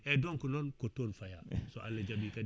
eyyi donc noon ko toon faya so Allah jaɓi kadi